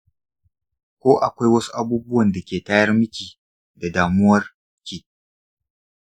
ko akwai wasu abubuwan da ke tayar mika da damuwar ki?